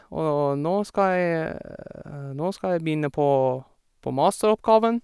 Og nå skal jeg nå skal jeg begynne på på masteroppgaven.